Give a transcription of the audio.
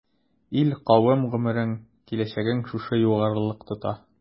Ил-кавем гомерен, киләчәген шушы югарылык тота.